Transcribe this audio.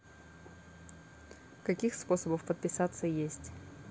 каких способов подписаться есть